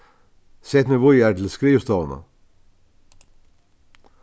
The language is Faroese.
set meg víðari til skrivstovuna